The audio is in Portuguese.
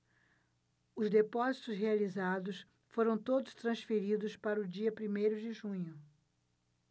os depósitos realizados foram todos transferidos para o dia primeiro de junho